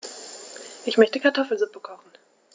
Ich möchte Kartoffelsuppe kochen.